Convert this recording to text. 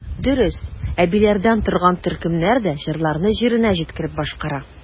Дөрес, әбиләрдән торган төркемнәр дә җырларны җиренә җиткереп башкара.